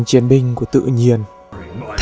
những chiến binh của tự nhiên